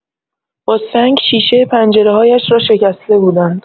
با سنگ شیشه پنجره‌هایش را شکسته بودند.